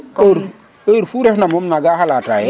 heure fu ref na moom nanga xalata ye